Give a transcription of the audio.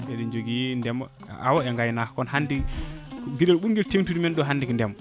eɗen joogui ndeema e awowa e gaynaka kono hannde gueɗel ɓurguel tengtude men ɗo hannde ko ndeema